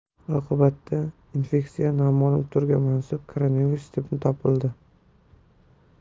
oqibatda infeksiya noma'lum turga mansub koronavirus deb topilgan